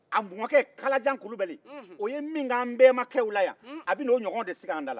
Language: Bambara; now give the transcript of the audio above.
a mɔkɛ kalajan kulubali o ye min k'an bemba kɛw la yan a bɛ n'o ɲɔgɔn de sigi an da la